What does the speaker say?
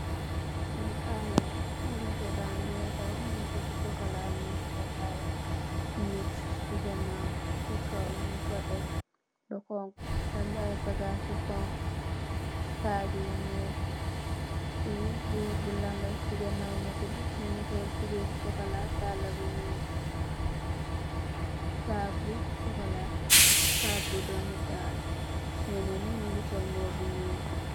Lee alaa la motor bage daw motor bu sukola muge eb aye neete se ganaw se kaw mugfa eb lu xonxo am aye bagass yu xonxo sagg yu nuul fe goor bu laga se ganaw motor be muge sol tubaye bu sukola dalla bu nuul sagg bu sukola cap bu dome tahal nyenen ye nuge sol muba bu nuul.